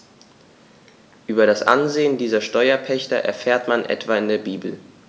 Über das Ansehen dieser Steuerpächter erfährt man etwa in der Bibel.